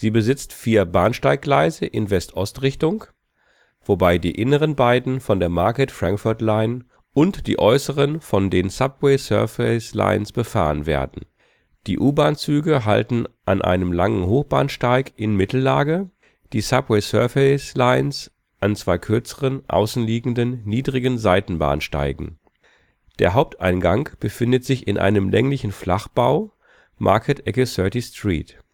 besitzt vier Bahnsteiggleise in West-Ost-Richtung, wobei die inneren beiden von der Market – Frankford Line und die äußeren von den Subway – Surface Lines befahren werden. Die U-Bahn-Züge halten an einem langen Hochbahnsteig in Mittellage, die Subway – Surface Lines an zwei kürzeren, außen liegenden, niedrigen Seitenbahnsteigen. Der Haupteingang befindet sich in einem länglichen Flachbau Market Ecke 30th Street